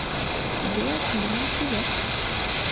тебе от лени привет